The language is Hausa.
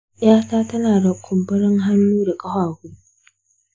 yata tana da kumburin hannu da ƙafafu.